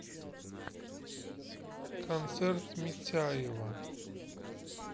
концерт митяева